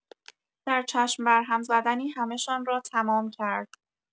در چشم بر هم زدنی همه‌شان را تمام کرد!